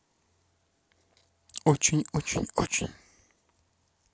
очень очень очень